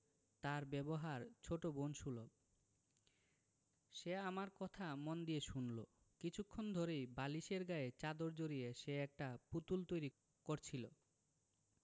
তার ব্যবহার ছোট বোন সুলভ সে আমার কথা মন দিয়ে শুনলো কিছুক্ষণ ধরেই বালিশের গায়ে চাদর জড়িয়ে সে একটা পুতুল তৈরি করছিলো